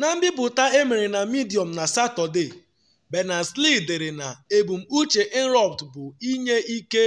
Na mbipụta emere na Medium na Satọde, Berners-Lee dere na “ebumnuche Inrupt bụ inye ike